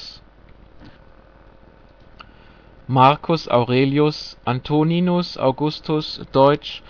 Marcus Aurelius Antoninus Augustus (deutsch